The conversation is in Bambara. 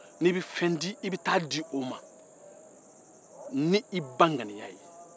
ni bɛ fɛn di i bɛ t'a di o ma ni i ba ŋaniya ye